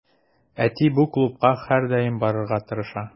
Әти бу клубка һәрдаим барырга тырыша.